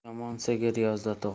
yomon sigir yozda tug'ar